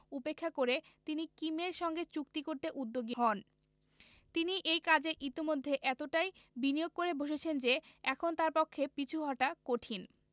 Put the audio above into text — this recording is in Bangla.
উপেক্ষা করে তিনি কিমের সঙ্গে চুক্তি করতে উদ্যোগী হন তিনি এই কাজে ইতিমধ্যে এতটাই বিনিয়োগ করে বসেছেন যে এখন তাঁর পক্ষে পিছু হটা কঠিন